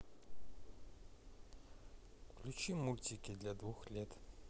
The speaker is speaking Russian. включи мультики для двух лет